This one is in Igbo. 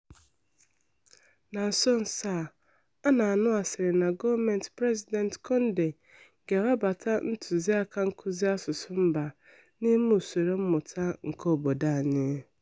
Na nso nso a, a na-anụ asịrị na gọọmentị President Condé ga-ewebata ntụziaka nkuzi asụsụ mba n'ime usoro mmụta nke obodo anyị.